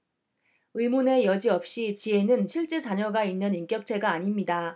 의문의 여지없이 지혜는 실제 자녀가 있는 인격체가 아닙니다